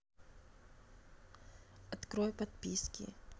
открой подписки